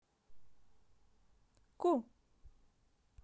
ку